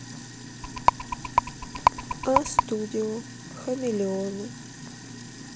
а студио хамелеоны